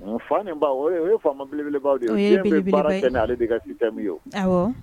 Fa ni o ye faama bilenelebaww de ye fɛn bɛ baara ale de ka tɛmu ye